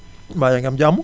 mbaa yaa ngi am jàmm